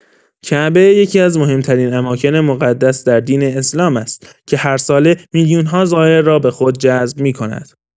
کعبه یکی‌از مهم‌ترین اماکن مقدس در دین اسلام است که هر ساله میلیون‌ها زائر را به خود جذب می‌کند.